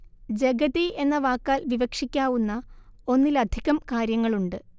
ജഗതി എന്ന വാക്കാൽ വിവക്ഷിക്കാവുന്ന ഒന്നിലധികം കാര്യങ്ങളുണ്ട്